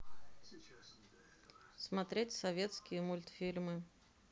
смотреть советские мультфильмы